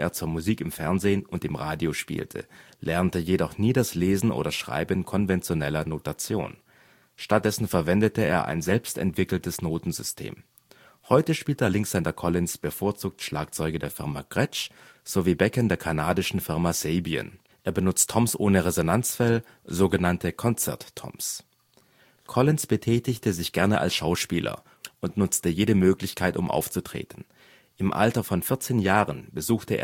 zur Musik im Fernsehen und im Radio spielte, lernte jedoch nie das Lesen oder Schreiben konventioneller Notation; stattdessen verwendete er ein selbst entwickeltes Notensystem. Heute spielt der Linkshänder Collins bevorzugt Schlagzeuge der Firma Gretsch sowie Becken der kanadischen Firma Sabian. Er benutzt Toms ohne Resonanzfell, sogenannte Concert Toms. Collins betätigte sich gerne als Schauspieler und nutzte jede Möglichkeit, um aufzutreten. Im Alter von 14 Jahren besuchte